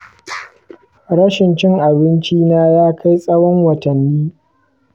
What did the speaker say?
rashin cin abinci na ya kai tsawon watanni.